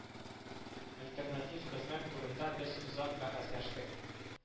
Альтернатив хезмәт турында без озак бәхәсләштек